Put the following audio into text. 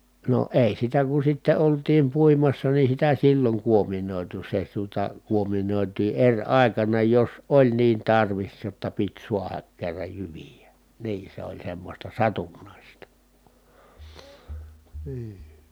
no ei sitä kun sitten oltiin puimassa niin sitä silloin kuominoitu se tuota kuominoitiin eri aikana jos oli niin tarvis jotta piti saada kerran jyviä niin se oli semmoista satunnaista niin